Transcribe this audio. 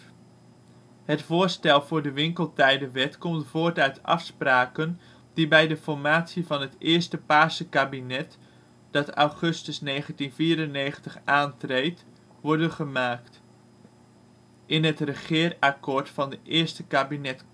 voorstel voor de Winkeltijdenwet komt voort uit afspraken die bij de formatie van het eerste ' paarse ' kabinet, dat augustus 1994 aantreedt, worden gemaakt. In het Regeerakkoord van het eerste kabinet